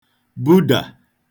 budà